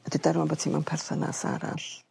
Wedyn deu rŵan bo' ti mewn perthynas arall